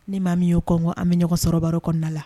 Ni maa min y'o kɔn an bɛ ɲɔgɔnsɔrɔba kɔnɔna la